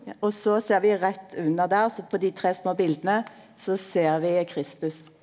og så ser vi rett under der så på dei tre små bilda så ser vi Kristus.